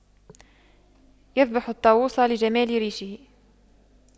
يذبح الطاووس لجمال ريشه